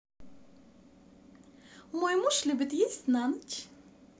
мой муж любит есть на ночь